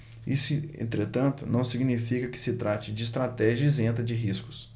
isso entretanto não significa que se trate de estratégia isenta de riscos